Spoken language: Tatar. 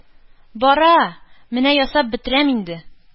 - бара... менә ясап бетерәм инде.